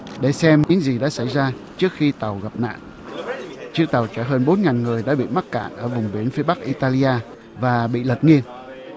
để xem những gì đã xảy ra trước khi tàu gặp nạn chiếc tàu chở hơn bốn ngàn người đã bị mắc cạn ở vùng biển phía bắc i ta li a và bị lật nghiêng